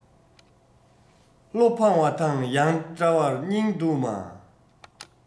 བློ ཕངས བ དང ཡང འདྲ བར སྙིང སྡུག མ